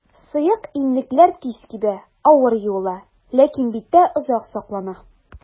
Сыек иннекләр тиз кибә, авыр юыла, ләкин биттә озак саклана.